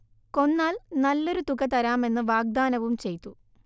കൊന്നാൽ നല്ലൊരു തുക തരാമെന്ന് വാഗ്ദാനവും ചെയ്തു